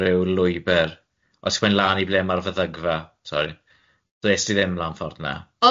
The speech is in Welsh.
ryw lwybyr, os ti'n mynd lan i ble mae'r feddygfa, sori, es ti ddim lan ffordd 'na.